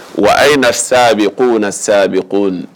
Wa a ye nasa ko na sa bɛ ko